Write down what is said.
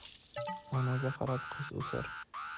onaga qarab qiz o'sar